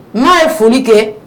N'a ye foli kɛ